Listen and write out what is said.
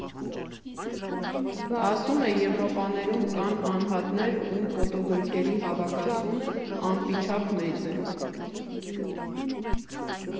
Ասում է՝ Եվրոպաներում կան անհատներ, ում ֆոտո֊գրքերի հավաքածուն ամպի չափ մեծ է։